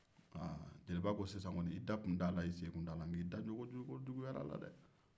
jeliba ko sisan kɔni i da tun t'a la i sen tun t'a la nka i da don ko juguyara dɛɛ